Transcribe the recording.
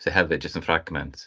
Sy hefyd jyst yn fragment.